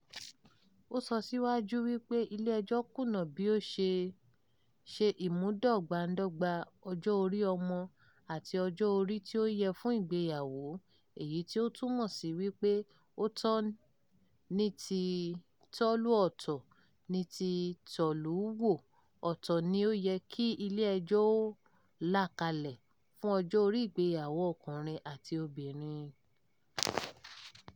Ó sọ síwájú sí i wípé ilé ẹjọ́ kùnà bí ó ṣe “ṣe ìmúdọ́gbandọ́gba ọjọ́ orí ọmọ àti ọjọ́ orí tí ó yẹ fún ìgbéyàwó”, èyí tí ó túmọ̀ sí wípé ọ̀tọ̀ ni ti tọ́lú ọ̀tọ̀ ni ti tọ́lùú wò, ọ̀tọ̀ ni ó yẹ kí ilé ẹjọ́ ó là kalẹ̀ fún ọjọ́ orí ìgbéyàwó ọkùnrin àti obìnrin.